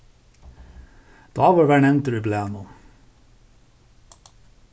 dávur varð nevndur í blaðnum